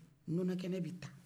nɔnɔkɛnɛ bɛ ta